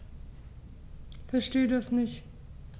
Verstehe das nicht.